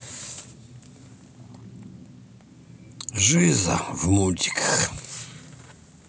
жиза в мультиках